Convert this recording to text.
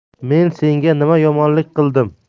men senga nima yomonlik qildim